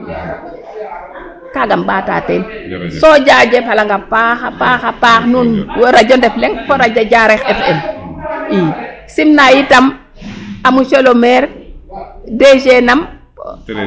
Kaaga um ɓaata teen so jajefalang a paax a paax a paax nuun radio Ndef Leng fo radio fo radio Diarekh FM i simna itam a monsieur le maire DG nam